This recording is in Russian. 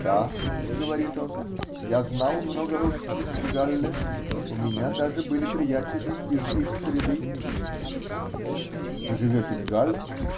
-- Да, -- говорит он, -- я знал много русских в Галле, у меня даже были приятели из их среды. -- Вы живете в Галле?